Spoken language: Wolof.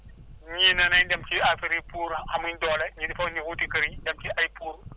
ñii ne nañ dem si affaire yi pour amuñ doole il faut ñu wuti këriñ dem si ay pour